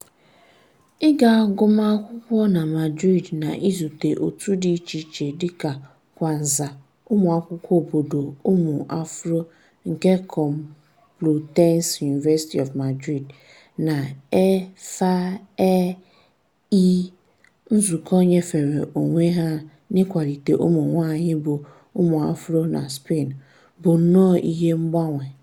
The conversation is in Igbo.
Ịga agụmakwụkwọ na Madrid na izute òtù dị icheiche dịka Kwanzza [ụmụakwụkwọ obodo ụmụ ụmụ-afro nke Complutense University of Madrid] na E.FA.A.E [Nzukọ nyefere onwe ha 'n'ịkwalite ụmụnwaanyị ụmụ ụmụ-afro' na Spain] bụ nnọọ ihe mgbanwe.